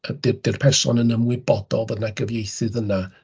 Yy di'r di'r person yn ymwybodol fod 'na gyfieithydd yna.